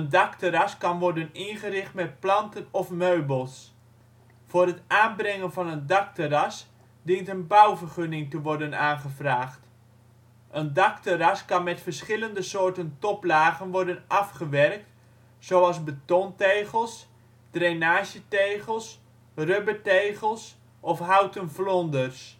dakterras kan worden ingericht met planten of meubels. Voor het aanleggen van een dakterras dient een bouwvergunning te worden aangevraagd. Een dakterras kan met verschillende soorten ' toplagen ' worden afgewerkt zoals betontegels, drainagetegels, rubbertegels of houten vlonders